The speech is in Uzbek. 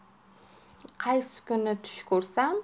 qaysi kuni tush ko'rsam